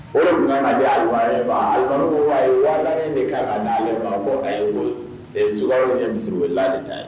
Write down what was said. O munna naba ko de kaale bɔ a ye koyi ee su ye misila de ta ye